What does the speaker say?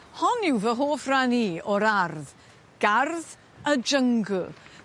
Hon yw fy hoff ran i o'r ardd. Gardd y jyngl.